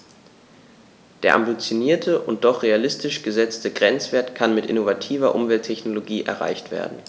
Der ambitionierte und doch realistisch gesetzte Grenzwert kann mit innovativer Umwelttechnologie erreicht werden.